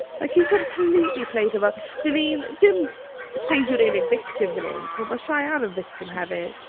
Like, he completely played her, fel dan ni'n... dim Paige yw yr unig victim fan hyn, timod, mae Cheyanne yn victim hefyd.